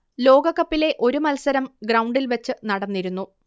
ലോകകപ്പിലെ ഒരു മത്സരം ഗ്രൗണ്ടിൽ വെച്ച് നടന്നിരുന്നു